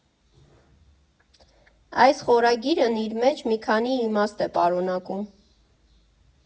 Այս խորագիրն իր մեջ մի քանի իմաստ է պարունակում։